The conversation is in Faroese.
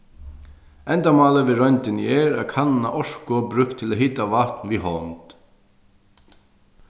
endamálið við royndini er at kanna orku brúkt til at hita vatn við hond